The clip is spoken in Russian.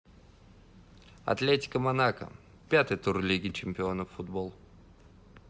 атлетика монако пятый тур лиги чемпионов футбол